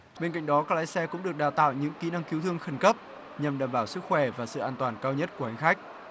bên cạnh đó các lái xe cũng được đào tạo những kỹ năng cứu thương khẩn cấp nhằm đảm bảo sức khỏe và sự an toàn cao nhất của hành khách